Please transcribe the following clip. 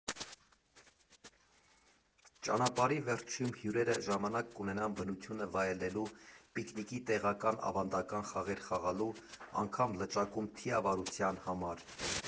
Ճանապարհի վերջում հյուրերը ժամանակ կունենան բնությունը վայելելու, պիկնիկի, տեղական ավանդական խաղեր խաղալու, անգամ լճակում թիավարության համար։